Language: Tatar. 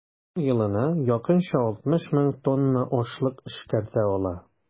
Ул елына якынча 60 мең тонна ашлык эшкәртә ала.